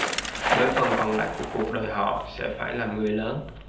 bởi phần còn lại của cuộc đời họ sẽ phải làm người lớn